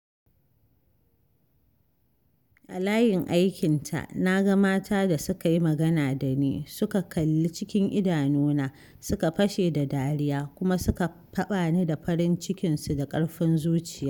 A layin aikinta, na ga mata da suka yi magana da ni, suka kalle cikin idanuna, suka fashe da dariya, kuma suka taɓa ni da farin cikinsu da ƙarfin zuciya.